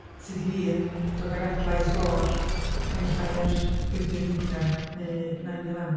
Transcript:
Sydd i fi yn dod âg adlais o'r, naill ai'r frwydr niwclear, neu nine eleven...